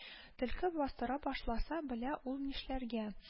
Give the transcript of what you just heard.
Төлке бастыра башласа белә ул нишләргә